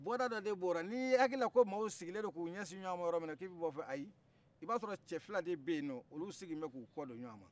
bɔda do de b'ola n' i yakila ko maw sigilendo k'u ɲɛsi ɲɔgɔma yɔrɔminna k'i bɛ bɔ o fɛ ayi i b'a fɔrɔ cɛ fila de bɛ yen nɔ olu sigilen bɛ k'u kɔdon ɲɔgɔna